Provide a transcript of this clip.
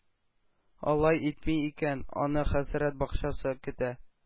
Алай итми икән, аны “Хәсрәт бакчасы“ көтә.